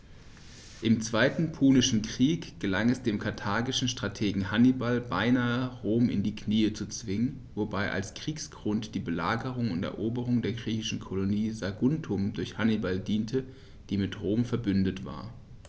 Im Zweiten Punischen Krieg gelang es dem karthagischen Strategen Hannibal beinahe, Rom in die Knie zu zwingen, wobei als Kriegsgrund die Belagerung und Eroberung der griechischen Kolonie Saguntum durch Hannibal diente, die mit Rom „verbündet“ war.